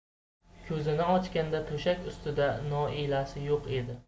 ko'zini ochganda to'shak ustida noilasi yo'q edi